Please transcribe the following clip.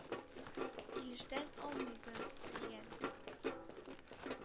Илештән алмыйбыз, дигән.